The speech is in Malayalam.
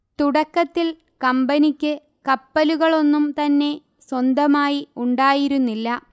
തുടക്കത്തിൽ കമ്പനിക്ക് കപ്പലുകളൊന്നും തന്നെ സ്വന്തമായി ഉണ്ടായിരുന്നില്ല